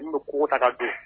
N tun bɛ koko ta ka don